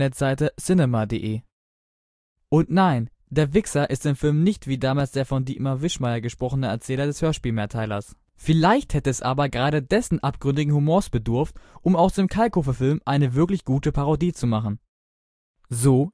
– cinema.de „ Und nein, der Wixxer ist im Film nicht wie damals der von Dietmar Wischmeyer gesprochene Erzähler des Hörspielmehrteilers. Vielleicht hätte es aber gerade dessen abgründigen Humors bedurft, um aus dem Kalkofe-Film eine wirklich gute Parodie zu machen. “–